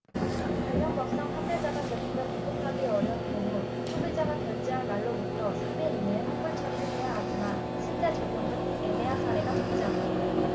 관련법상 판매자가 제품을 공급하기 어려운 경우 소비자가 결제한 날로부터 삼 일 이내에 환불처리해야 하지만 실제 적용은 애매한 사례가 적지 않다